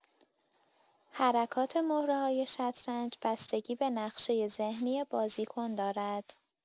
حرکات مهره‌های شطرنج بستگی به نقشه ذهنی بازیکن دارد.